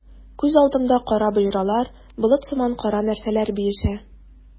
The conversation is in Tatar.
Күз алдымда кара боҗралар, болыт сыман кара нәрсәләр биешә.